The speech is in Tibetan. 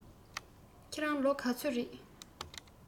ཁྱེད རང ལོ ག ཚོད རེས